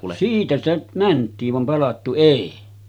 siitä sitä mentiin vaan palattu ei